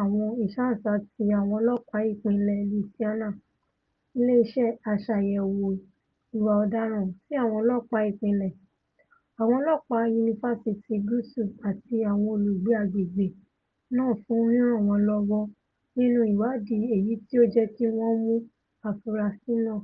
àwọn ìsáǹsá ti Àwọn Ọlọ́ọ̀pá Ìpínlẹ̀ Louisiana, ilé iṣẹ́ aṣàyẹ̀wò ìwà ọ̀daràn ti àwọn ọlọ́ọ̀pá ìpínlẹ̀, àwọn ọlọ́ọ̀pá Yunifásitì Gúsúù àti àwọn olùgbé agbègbè̀̀ náà fún ríràn wọ́n lọ́wọ́ nínu ìwáàdí èyití o jẹ́kí wọ́n mú afurasí náà.